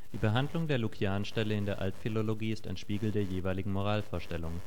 Behandlung der Lukian-Stelle in der Altphilologie ist ein Spiegel der jeweiligen Moralvorstellungen